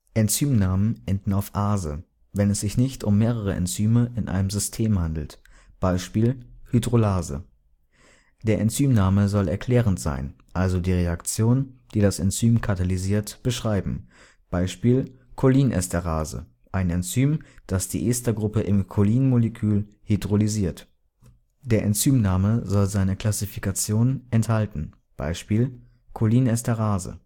Enzymnamen enden auf - ase, wenn es sich nicht um mehrere Enzyme in einem System handelt. (Beispiel: Hydrolase) Der Enzymname soll erklärend sein, also die Reaktion, die das Enzym katalysiert, beschreiben. (Beispiel: Cholinesterase: Ein Enzym, das die Estergruppe im Cholin-Molekül hydrolysiert.) Der Enzymname soll seine Klassifikation (siehe unten) enthalten. (Beispiel: Cholinesterase